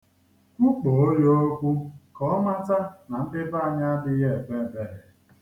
Kwukpoo ya okwu ka ọ mata na ndị be anyị adịghị eme ebere.